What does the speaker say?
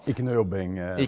ikke noe jobbing .